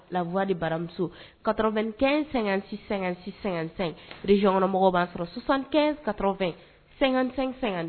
Lawa baramuso ka2ɛn---sɛn zyɔnmɔgɔ b'a sɔrɔ sisansan kafɛn